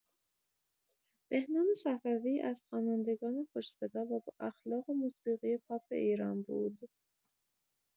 بهنام صفوی از خوانندگان خوش‌صدا و با اخلاق موسیقی پاپ ایران بود.